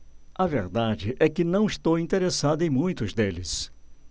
a verdade é que não estou interessado em muitos deles